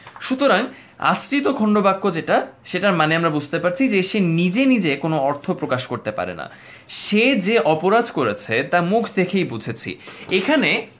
সুতরাং আশ্রিত খন্ডবাক্য যেটা সেটার মানে আমরা বুঝতে পারছি যে সে নিজে নিজে কোন অর্থ প্রকাশ করতে পারে না সে যে যে অপরাধ করেছে তা মুখ দেখেই বুঝেছি এখানে